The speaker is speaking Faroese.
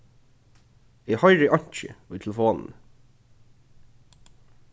eg hoyri einki í telefonini